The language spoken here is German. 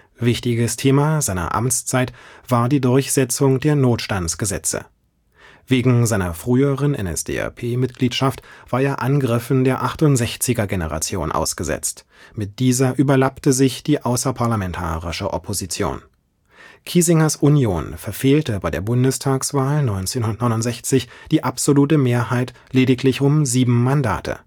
Wichtiges Thema seiner Amtszeit war die Durchsetzung der Notstandsgesetze. Wegen seiner früheren NSDAP-Mitgliedschaft war er Angriffen der 68er-Generation ausgesetzt; mit dieser überlappte sich die Außerparlamentarische Opposition. Kiesingers Union verfehlte bei der Bundestagswahl 1969 die absolute Mehrheit lediglich um sieben Mandate